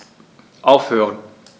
Aufhören.